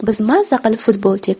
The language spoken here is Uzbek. biz maza qilib futbol tepdik